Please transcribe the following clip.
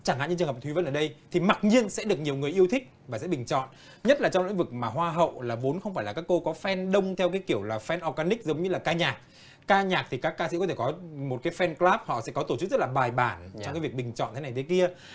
chẳng hạn như trường hợp thúy vân ở đây thì mặc nhiên sẽ được nhiều người yêu thích và sẽ bình chọn nhất là trong lĩnh vực mà hoa hậu là vốn không phải là các cô có phen đông theo cái kiểu là phen o ga ních giống như là ca nhạc ca nhạc thì các ca sĩ có thể có một cái phen cờ láp họ sẽ có tổ chức rất bài bản trong cái việc bình chọn thế này thế kia